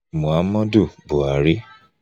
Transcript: Muhammadu Buhari